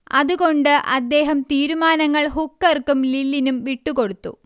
അതുകൊണ്ട് അദ്ദേഹം തീരുമാനങ്ങൾ ഹുക്കർക്കും ലില്ലിനും വിട്ടുകൊടുത്തു